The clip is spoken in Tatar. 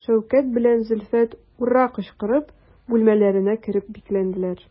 Шәүкәт белән Зөлфәт «ура» кычкырып бүлмәләренә кереп бикләнделәр.